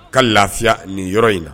Ka lafiya nin yɔrɔ in na